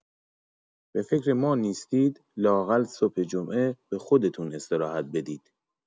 به فکر ما نیستید، لااقل صبح جمعه به خودتون استراحت بدید.